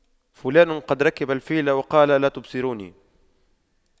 فلان قد ركب الفيل وقال لا تبصروني